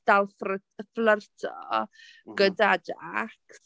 Dal i ffry- fflyrto gyda Jax.